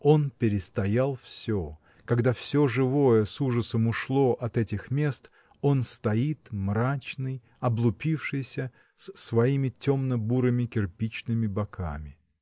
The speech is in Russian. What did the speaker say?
Он перестоял всё — когда всё живое с ужасом ушло от этих мест — он стоит мрачный, облупившийся, с своими темно-бурыми кирпичными боками.